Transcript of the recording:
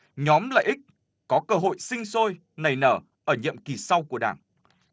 nhóm lợi ích có cơ hội sinh sôi nảy nở ở nhiệm kỳ sau của đảng